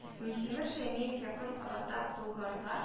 Минтимер Шәймиев, якын арада Болгарга